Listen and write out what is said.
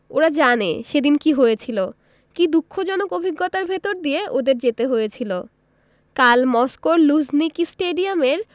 ওরা জানে সেদিন কী হয়েছিল কী দুঃখজনক অভিজ্ঞতার ভেতর দিয়ে ওদের যেতে হয়েছিল কাল মস্কোর লুঝনিকি স্টেডিয়ামের